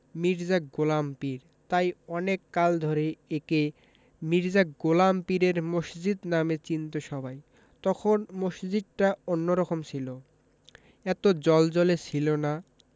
মির্জা গোলাম পীর তাই অনেক কাল ধরে একে মির্জা গোলাম পীরের মসজিদ নামে চিনতো সবাই তখন মসজিদটা অন্যরকম ছিল এত জ্বলজ্বলে ছিল না